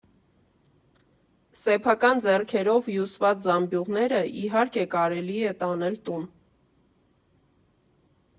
Սեփական ձեռքերով հյուսված զամբյուղները, իհարկե, կարելի է տանել տուն։